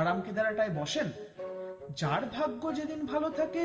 আরামকেদারাটায় বসেন যার ভাগ্য যে দিন ভালো থাকে